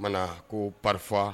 O mana ko pafa